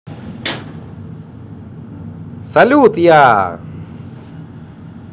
салют я